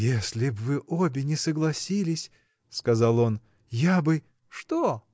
— Если б вы обе не согласились, — сказал он, — я бы. — Что?